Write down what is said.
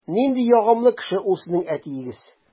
Нинди ягымлы кеше ул сезнең әтиегез!